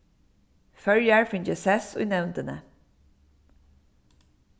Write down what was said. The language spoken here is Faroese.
føroyar fingið sess í nevndini